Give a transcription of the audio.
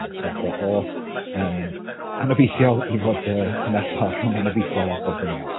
so aeth o o yym anobeithiol i fod yy hanner ffordd rhwng anobeithiol a derbyniol.